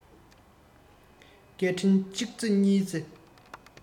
སྐད འཕྲིན གཅིག རྩེ གཉིས རྩེ